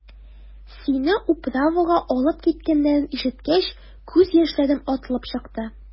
Сине «управа»га алып киткәннәрен ишеткәч, күз яшьләрем атылып чыкты.